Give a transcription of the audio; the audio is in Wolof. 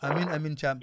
amiin amiin Thia